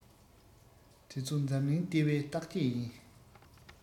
དེ ཚོ འཛམ གླིང ལྟེ བའི བརྟག དཔྱད ཡིན